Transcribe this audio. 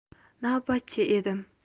navbatchi edim